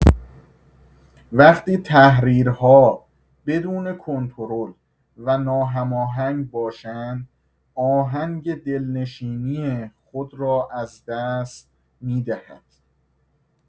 وقتی تحریرها بدون کنترل و ناهماهنگ باشند، آهنگ دلنشینی خود را از دست می‌دهد.